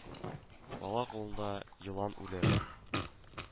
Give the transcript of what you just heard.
Бала кулында елан үләр